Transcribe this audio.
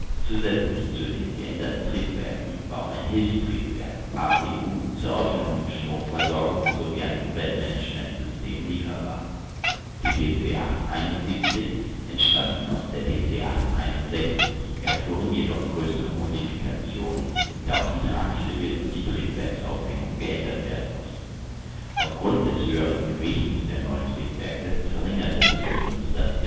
zu den geänderten Triebwerken war auch ein Hilfstriebwerk (APU) zur autonomen Stromversorgung sowie ein Umweltmanagementsystem lieferbar. Die DC-8-71 entstanden aus den DC-8-61, erfuhren jedoch größere Modifikationen, da auch die Tragflügel und die Triebwerksaufhängung geändert werden mussten. Aufgrund des höheren Gewichts der neuen Triebwerke verringerte sich die Nutzlast geringfügig